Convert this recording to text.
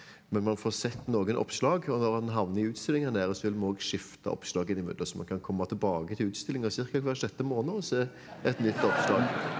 men man får sett noen oppslag og når han havner i utstillinga her nede så vil vi og skifte oppslagene innimellom så man kan komme tilbake til utstillinga ca. hvert sjette måned og se et nytt oppslag.